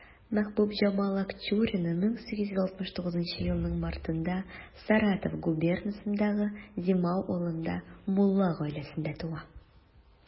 Мәхбүбҗамал Акчурина 1869 елның мартында Саратов губернасындагы Димау авылында мулла гаиләсендә туа.